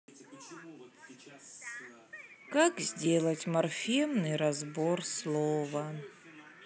как сделать морфемный разбор слова